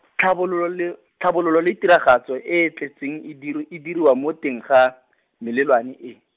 tlhabololo le, tlhabololo le tiragatso e tletseng e diri-, e diriwa mo teng ga , melelwane e.